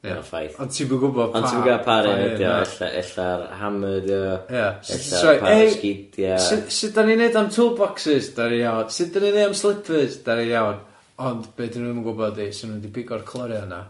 Ia ma'n ffaith. Ond ti'm yn gwbod pa... Ond ti'm yn gwbo pa rei ydi o. Ella ella'r hammer 'di o. Ia. Ella ella'r sgidia. E- su- su- 'dan ni'n neud am toolboxes? 'Dan ni'n iawn. Sud 'dan ni'n neud am slipyrs? 'Dan ni'n iawn. Ond be' 'dyn nhw im yn gwbo 'di, so ma' nhw'n mynd i bigo'r clorian 'na.